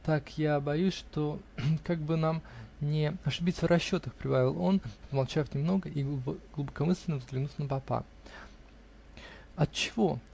) Так я боюсь, как бы нам не ошибиться в расчетах, -- прибавил он, помолчав немного и глубокомысленно взглянув на папа. -- Отчего?